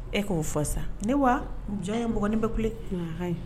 E k'o fɔ sa ne wa jɔn ye n bugɔ ni n bɛ kule.